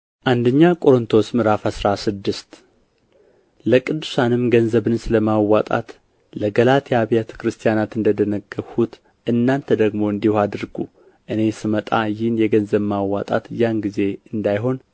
አንደኛ ቆሮንጦስ ምዕራፍ አስራ ስድስት ለቅዱሳንም ገንዘብን ስለ ማዋጣት ለገላትያ አብያተ ክርስቲያናት እንደ ደነገግሁት እናንተ ደግሞ እንዲሁ አድርጉ እኔ ስመጣ ይህ የገንዘብ ማዋጣት ያን ጊዜ እንዳይሆን